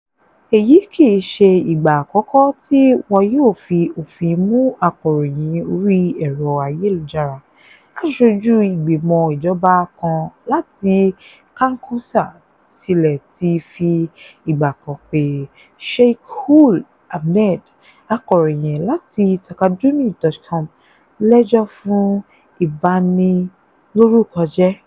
Èyí kìí ṣe ìgbà àkọ́kọ́ tí wọ́n yóò fi òfin mú akọ̀rọ̀yìn orí ẹ̀rọ ayélujára, aṣojú ìgbìmọ̀ ijọba kan láti Kankossa tilẹ̀ ti fi ìgbà kan pe Cheikh Ould Ahmed, akọrọyìn láti Taqadoumy.com lẹ́jọ́ fún ìbanilórúkọjẹ́.